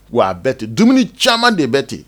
Wa a bɛɛ tɛ dumuni caman de bɛɛ ten